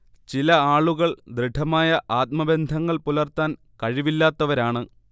ചില ആളുകൾ ദൃഢമായ ആത്മബന്ധങ്ങൾ പുലർത്താൻ കഴിവില്ലാത്തവരാണ്